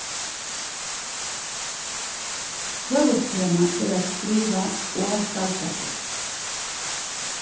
høvuðstemað er at skriva og skaldskapur